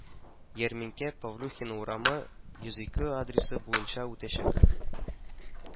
Ярминкә Павлюхина урамы, йөз ике адресы буенча үтәчәк